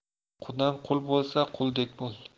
qudang qui bo'lsa quldek bo'l